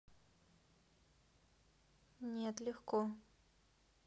нет легко